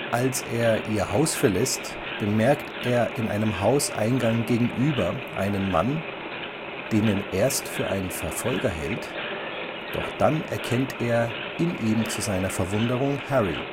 Als er ihr Haus verlässt, bemerkt er in einem Hauseingang gegenüber einen Mann, den er erst für einen Verfolger hält, doch dann erkennt er in ihm zu seiner Verwunderung Harry